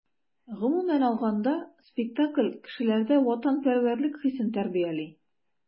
Гомумән алганда, спектакль кешеләрдә ватанпәрвәрлек хисен тәрбияли.